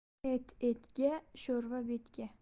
et etga sho'rva betga